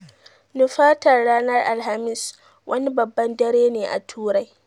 Nufatar ranar Alhamis, wani babban dare ne a Turai.